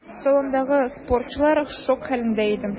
Салондагы спортчылар шок хәлендә иде.